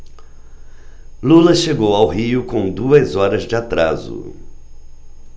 lula chegou ao rio com duas horas de atraso